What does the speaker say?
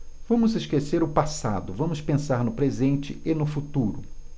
vamos esquecer o passado vamos pensar no presente e no futuro